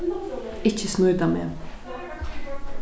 ikki snýta meg